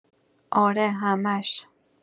اره همش